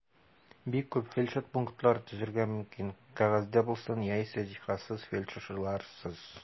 Бик күп фельдшер пунктлары төзергә мөмкин (кәгазьдә булсын яисә җиһазсыз, фельдшерларсыз).